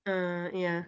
A, ie.